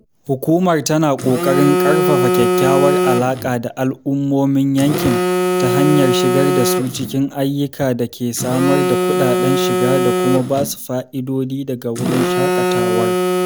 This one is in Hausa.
Hukumar tana ƙoƙarin ƙarfafa kyakkyawar alaƙa da al’ummomin yankin ta hanyar shigar da su cikin ayyuka da ke samar da kuɗaɗen shiga da kuma ba su fa’idodi daga wurin shaƙatawar.